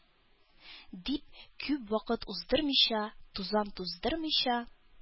— дип, күп вакыт уздырмыйча, тузан туздырмыйча,